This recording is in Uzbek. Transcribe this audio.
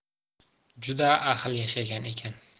juda ahil yashagan ekan